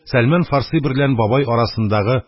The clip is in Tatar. Сәлман Фарси берлән бабай арасындагы